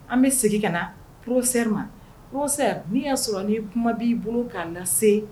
An bɛ sigi ka na prosɛ ma p n'i y'a sɔrɔ n'i kuma b'i bolo k'a na se